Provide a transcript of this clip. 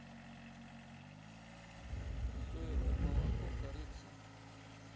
соевое молоко корица